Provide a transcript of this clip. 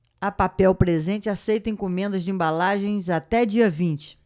a papel presente aceita encomendas de embalagens até dia vinte